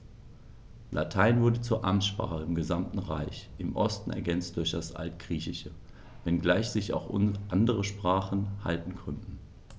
Latein wurde zur Amtssprache im gesamten Reich (im Osten ergänzt durch das Altgriechische), wenngleich sich auch andere Sprachen halten konnten.